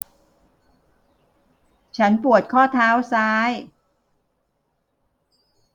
ฉันปวดข้อเท้าซ้าย